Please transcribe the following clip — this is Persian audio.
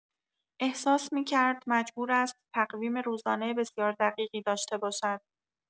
احساس می‌کرد مجبور است تقویم روزانه بسیار دقیقی داشته باشد.